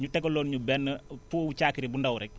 ñu tegaloon ñu benn pot wu caakiri bu ndaw rek